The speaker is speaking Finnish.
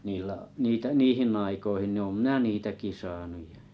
niillä niitä - niihin aikoihin niin olen minä niitäkin saanut ja